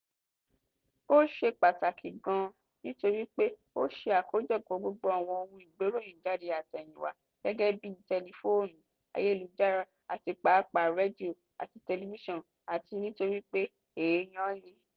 Ó ṣe pàtàkì gan-an nítorí pé ó ṣe àkójọpọ̀ gbogbo àwọn ohun ìgbéròyìnjáde àtẹ̀yìnwá, gẹ́gẹ́ bíi tẹlifóònù, ayélujára, àti pàápàá rédíò àti telifísàn, àti nítorípé èèyàn le: 1.